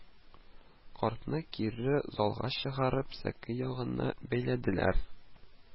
Картны кире залга чыгарып сәке ягына бәйләделәр